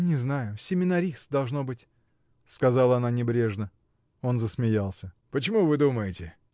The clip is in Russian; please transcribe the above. — Не знаю: семинарист, должно быть, — сказала она небрежно. Он засмеялся. — Почему вы думаете?